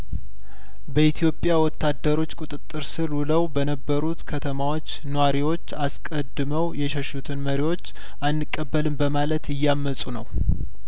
በኢትዮጵያ ወታደሮች ቁጥጥር ስር ውለው በነበሩት ከተማዎች ኗሪዎች አስቀድመው የሸሹትን መሪዎች አንቀበልም በማለት እያመጹ ነው